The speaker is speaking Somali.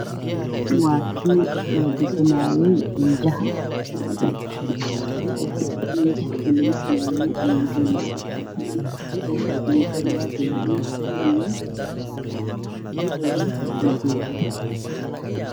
Waa kii lagashanayey majaha midabkiisu waa gaduud, buluug iyo madow.